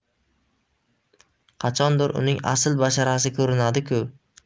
qachondir uning asl basharasi ko'rinadi ku